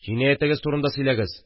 Җинәятегез турында сөйләгез